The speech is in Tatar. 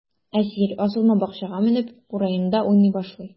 Әсир асылма бакчага менеп, кураенда уйный башлый.